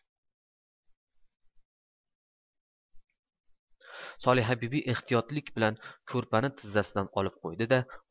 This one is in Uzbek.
solihabibi ehtiyotlik bilan ko'rpani tizzasidan olib qo'ydi da